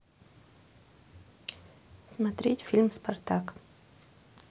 смотреть фильм спартак